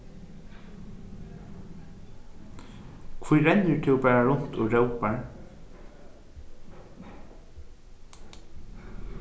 hví rennur tú bara runt og rópar